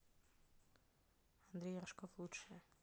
андрей рожков лучшее